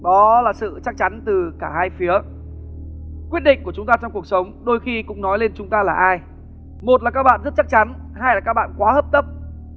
đó là sự chắc chắn từ cả hai phía quyết định của chúng ta trong cuộc sống đôi khi cũng nói lên chúng ta là ai một là các bạn rất chắc chắn hai là các bạn quá hấp tấp